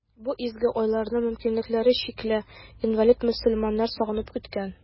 Бу изге айларны мөмкинлекләре чикле, инвалид мөселманнар сагынып көткән.